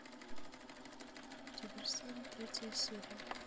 диверсант третья серия